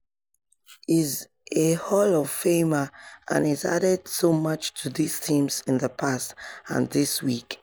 He's a Hall of Famer and he's added so much to these teams in the past, and this week.